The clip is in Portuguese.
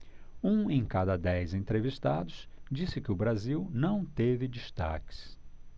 um em cada dez entrevistados disse que o brasil não teve destaques